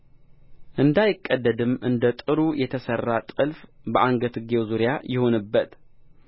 እንዳይቀደድም እንደ ጥሩር የተሠራ ጥልፍ በአንገትጌው ዙሪያ ይሁንበት